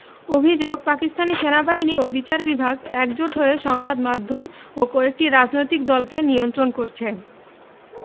অভিযোগ পাকিস্তানি সেনাবাহিনী ও বিচার বিভাগ একজোট হয়ে সংবাদ মাধ্যম এবং কয়েকটি রাজনৈতিক দলকে নিয়ন্ত্রণ করছে